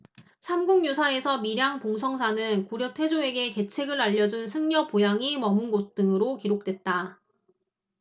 삼국유사에서 밀양 봉성사는 고려 태조에게 계책을 알려준 승려 보양이 머문 곳 등으로 기록됐다